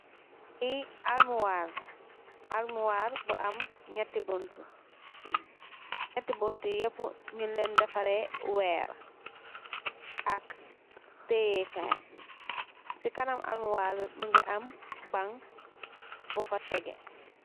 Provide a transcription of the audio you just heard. Li anmorr laah , anmorr buuh em njateh buntah , njateh buntah yeeh yep nun guuh defarreh werr, ak teyehgai si kanam enmorr bi mukeh em bang bufah tekeh.